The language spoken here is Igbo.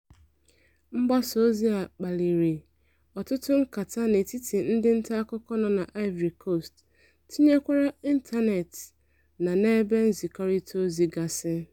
Mgbasa ozi a kpaliri ọtụtụ nkata n'etiti ndị ntaakụkọ nọ n'Ivory Coast tinyekwara ịntanetị na ebe nzịkọrịta ozi gasị.